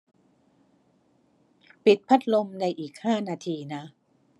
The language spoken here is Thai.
ปิดพัดลมในอีกห้านาทีนะ